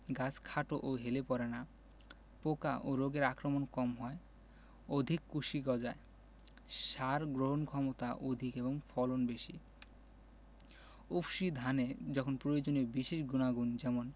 গাছ খাটো ও হেলে পড়ে না পোকা ও রোগের আক্রমণ কম হয় অধিক কুশি গজায় সার গ্রহণক্ষমতা অধিক এবং ফলন বেশি উফশী ধানে যখন প্রয়োজনীয় বিশেষ গুনাগুণ যেমন